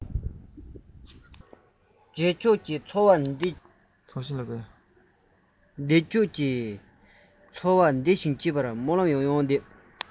རྗེས ཕྱོགས ཀྱི འཚོ བ བདེ ཞིང སྐྱིད པར སྨོན ལམ ཡང ཡང བཏབ